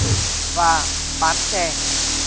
và bán chè